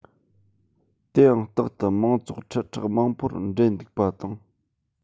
དེའང རྟག ཏུ མང ཚོགས ཁྲི ཕྲག མང པོར འབྲེལ འདུག པ དང